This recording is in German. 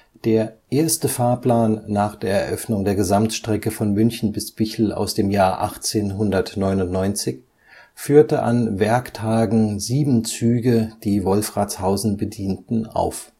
Der erste Fahrplan nach der Eröffnung der Gesamtstrecke von München bis Bichl aus dem Jahr 1899 führte an Werktagen sieben Züge, die Wolfratshausen bedienten, auf